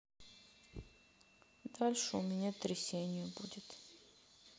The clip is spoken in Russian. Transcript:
дальше у меня трясение будет